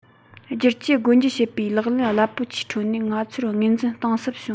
བསྒྱུར བཅོས སྒོ འབྱེད བྱེད པའི ལག ལེན རླབས པོ ཆེའི ཁྲོད ནས ང ཚོར ངོས འཛིན གཏིང ཟབ བྱུང